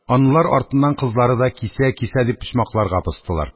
Анлар артыннан кызлары да: «Кисә, кисә!» – дип, почмакларга постылар.